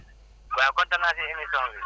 waaw kontaan naa si émission bi